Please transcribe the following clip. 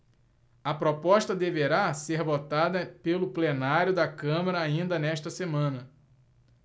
a proposta deverá ser votada pelo plenário da câmara ainda nesta semana